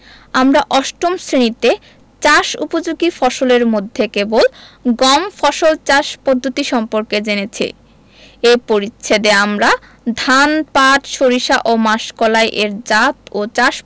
আমরা অষ্টম শ্রেণিতে চাষ উপযোগী ফসলের মধ্যে কেবল গম ফসল চাষ পদ্ধতি সম্পর্কে জেনেছি এ পরিচ্ছেদে আমরা ধান পাট সরিষা ও মাসকলাই এর জাত ও চাষ